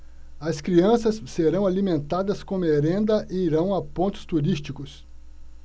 as crianças serão alimentadas com merenda e irão a pontos turísticos